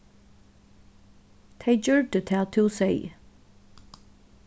tey gjørdu tað tú segði